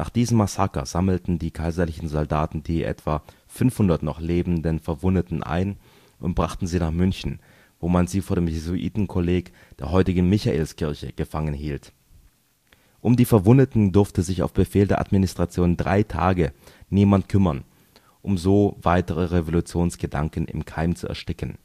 diesem Massaker sammelten die kaiserlichen Soldaten die etwa 500 noch lebenden Verwundeten ein und brachten sie nach München, wo man sie vor dem Jesuitenkolleg, der heutigen Michaelskirche, gefangen hielt. Um die Verwundeten durfte sich auf Befehl der Administration drei Tage niemand kümmern, um so weitere Revolutionsgedanken im Keim zu ersticken